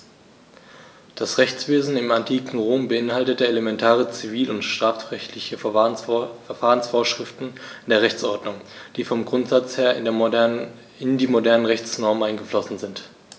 Das Rechtswesen im antiken Rom beinhaltete elementare zivil- und strafrechtliche Verfahrensvorschriften in der Rechtsordnung, die vom Grundsatz her in die modernen Rechtsnormen eingeflossen sind.